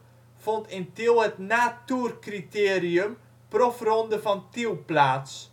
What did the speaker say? Tiel het na-Tourcriterium Profronde van Tiel plaats